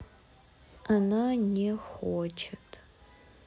она не хочет